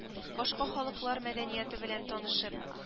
Башка халыклар мәдәнияте белән танышып